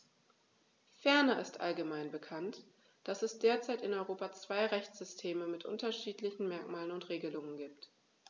Ferner ist allgemein bekannt, dass es derzeit in Europa zwei Rechtssysteme mit unterschiedlichen Merkmalen und Regelungen gibt.